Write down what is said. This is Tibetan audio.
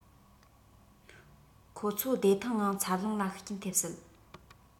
ཁོ ཚོ བདེ ཐང ངང འཚར ལོངས ལ ཤུགས རྐྱེན ཐེབས སྲིད